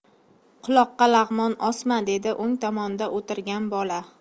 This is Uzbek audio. quloqqa lag'mon osma dedi o'ng tomonda o'tirgan bola